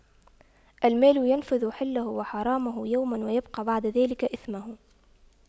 المال ينفد حله وحرامه يوماً ويبقى بعد ذلك إثمه